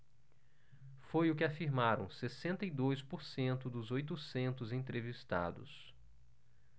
foi o que afirmaram sessenta e dois por cento dos oitocentos entrevistados